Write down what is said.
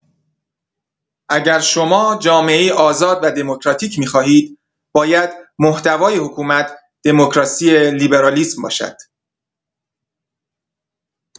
اگر شما جامعه‌ای آزاد و دموکراتیک می‌خواهید، باید محتوای حکومت دموکراسی لیبرالیسم باشد.